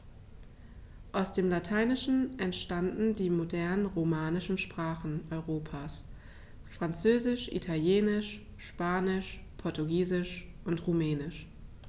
Aus dem Lateinischen entstanden die modernen „romanischen“ Sprachen Europas: Französisch, Italienisch, Spanisch, Portugiesisch und Rumänisch.